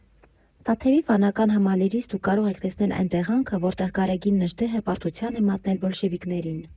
Տաթևի վանական համալիրից դուք կարող եք տեսնել այն տեղանքը, որտեղ Գարեգին Նժդեհը պարտության է մատնել բոլշևիկներին։